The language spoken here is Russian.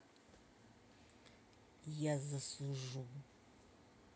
я засужу